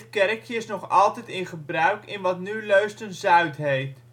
kerkje is nog altijd in gebruik in wat nu Leusden-Zuid heet